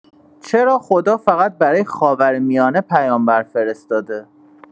چرا خدا فقط برای خاورمیانه پیامبر فرستاده؟